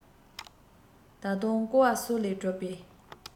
ད དུང ཀོ བ སོགས ལས གྲུབ པའི